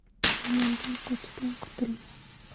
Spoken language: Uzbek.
olomondan qochgan qutulmas